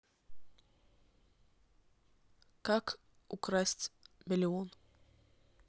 как украсть миллион